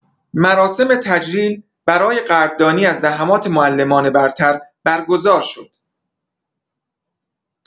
مراسم تجلیل برای قدردانی از زحمات معلمان برتر برگزار شد.